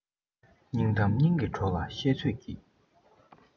སྙིང གཏམ སྙིང གི གྲོགས ལ ཤོད ཚོད གྱིས